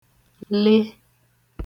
le